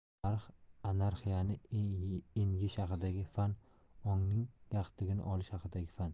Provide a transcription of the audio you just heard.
tarix anarxiyani engish haqidagi fan ongning yaxlitligini olish haqidagi fan